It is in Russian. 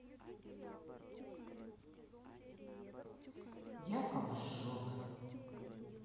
яковлев жжет